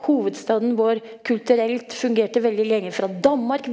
hovedstaden vår, kulturelt, fungerte veldig lenge fra Danmark.